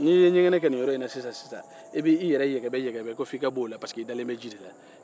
n'i ye ɲɛgɛnɛ kɛ nin yɔrɔ in na sisan i bɛ i yɛrɛ ɲɛgɛbɛjɛgɛbɛ f'i ka bɔ o yɔrɔ in na pariseke i dalen bɛ ji de la